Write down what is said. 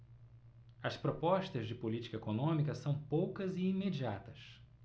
as propostas de política econômica são poucas e imediatas